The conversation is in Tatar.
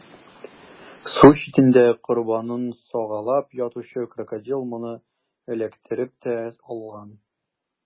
Су читендә корбанын сагалап ятучы Крокодил моны эләктереп тә алган.